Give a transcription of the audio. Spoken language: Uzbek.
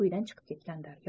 uydan chiqib ketgandir